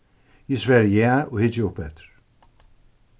eg svari ja og hyggi uppeftir